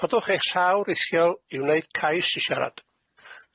Codwch eich llaw rithiol i wneud cais i siarad.